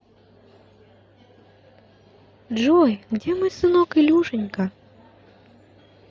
джой где мой сынок илюшенька